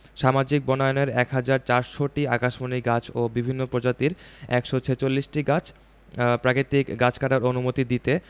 সামাজিক বনায়নের ১ হাজার ৪০০টি আকাশমণি গাছ ও বিভিন্ন প্রজাতির ১৪৬টি প্রাকৃতিক গাছ কাটার অনুমতি দিতে